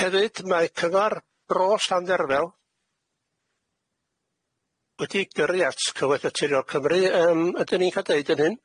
Hefyd mae cyngor bros Llanderfel wedi gyrru at cyfathaturiol Cymru yym ydyn ni'n ca'l deud yn hyn.